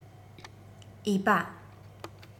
འོས པ